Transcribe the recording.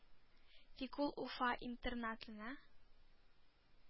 Тик ул Уфа интернатына